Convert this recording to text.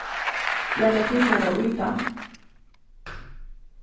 leggja tit nakað í tað